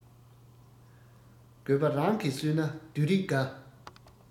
དགོས པ རང གིས བསུས ན བདུད རིགས དགའ